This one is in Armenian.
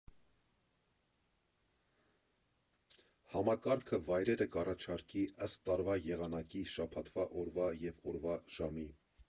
Համակարգը վայրերը կառաջարկի ըստ տարվա եղանակի, շաբաթվա օրվա և օրվա ժամի։